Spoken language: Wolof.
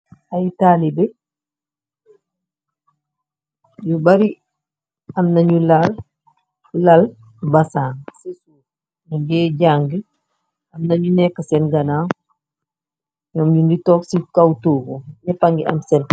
Ay talibex yu bari amna yu laal laal basang ñyugéy janga amna nyu neka sen ganaw nyum nyugi tog si kaw togu nyeepa gi am sen.